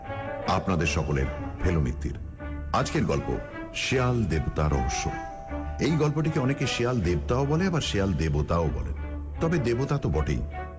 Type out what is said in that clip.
আপনাদের সকলের ফেলু মিত্তির আজকের গল্প শেয়াল দেবতা রহস্য এই গপ্লটিকে নকে শেয়াল দেবতাও বলে আবার শেয়াল দেবতাও বলে তবে দেবতা তো বটেই